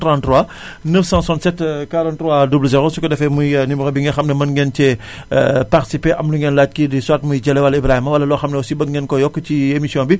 33 967 43 00 su ko defee muy numéro bi nga xam ne mën ngeen cee participé am lu ngeen laaj kii di soit muy Jalle wala Ibrahima wala loo xam ne aussi bëgg ngeen koo yokk ci émission bi